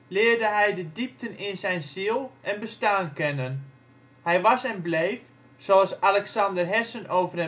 leerde hij de diepten in zijn ziel en bestaan kennen. Hij was en bleef, zoals Alexander Herzen over